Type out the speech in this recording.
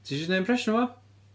ti isio wneud impression o fo?.